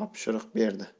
topshiriq berdi